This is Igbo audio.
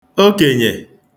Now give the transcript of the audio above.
okenye